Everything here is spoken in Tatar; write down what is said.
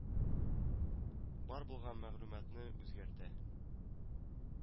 Бар булган мәгълүматны үзгәртә